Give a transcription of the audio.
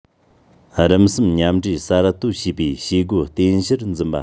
རིམ གསུམ མཉམ འབྲེལ གསར གཏོད བྱེད པའི བྱེད སྒོ རྟེན གཞིར འཛིན པ